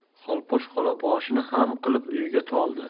xolposh xola boshini xam qilib o'yga toldi